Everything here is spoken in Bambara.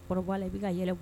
Kɔrɔ la i bɛ ka yɛlɛ